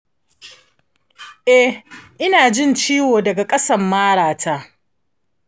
eh, ina jin ciwo daga kasan ma'ra ta.